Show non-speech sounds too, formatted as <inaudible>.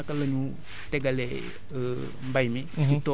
maanaam naka la ñu tegalee <hesitation> mbay mi